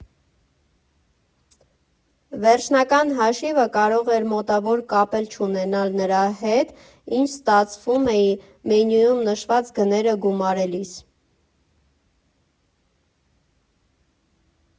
Վերջնական հաշիվը կարող էր մոտավոր կապ էլ չունենալ նրա հետ, ինչ ստացվում էի մենյուում նշված գները գումարելիս։